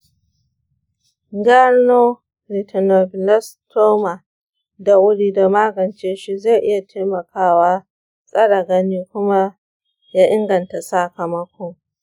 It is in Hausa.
gano retinoblastoma da wuri da magance shi zai iya taimakawa tsare gani kuma ya inganta sakamako.